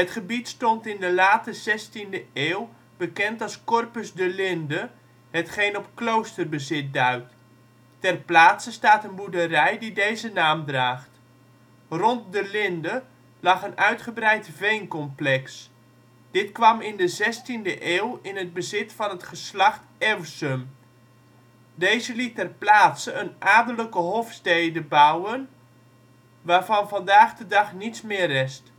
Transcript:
gebied stond in de late zestiende eeuw bekend als Corpus de Linde, hetgeen op kloosterbezit duidt. Ter plaatse staat een boerderij die deze naam draagt. Rond De Linde lag een uitgebreid veencomplex. Dit kwam in de zestiende eeuw in het bezit van het geslacht Ewsum. Deze liet ter plaatse een adellijke hofstede liet bouwen, waarvan vandaag de dag niets meer rest